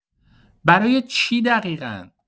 برای چی دقیقا؟